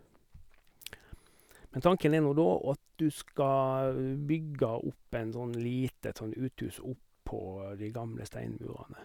Men tanken er nå da at du skal bygge opp en sånn lite et sånt uthus oppå de gamle steinmurene.